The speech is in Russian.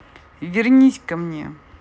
вернись ко мне